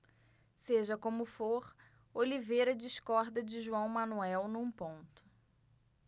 seja como for oliveira discorda de joão manuel num ponto